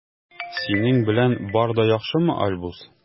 Синең белән бар да яхшымы, Альбус?